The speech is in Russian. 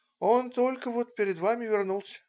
он только вот перед вами вернулся.